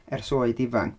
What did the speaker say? Ers oed ifanc.